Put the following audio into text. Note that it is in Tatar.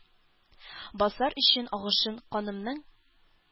Басар өчен агышын канымның.